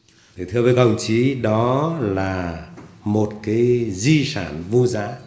và thưa các đồng chí đó là một cái di sản vô giá